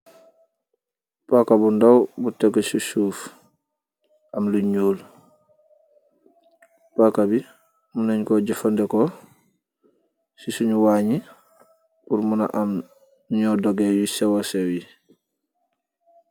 Paka bu ndaw bu teku c soof amm lu nuul paka bi munn nen ko jefendeko si sung wang yi pul muna aam lu nyu dogeh yu sewa seew yi.